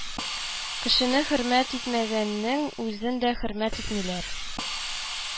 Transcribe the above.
Кешене хөрмәт итмәгәннең үзен дә хөрмәт итмиләр